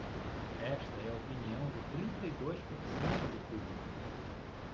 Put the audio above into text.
esta é a opinião de trinta e dois por cento do público